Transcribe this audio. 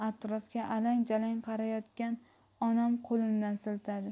atrofga alang jalang qarayotgan onam qo'limdan siltadi